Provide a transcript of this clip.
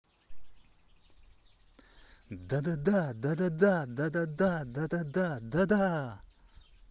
да да да да да да да да да да да да да да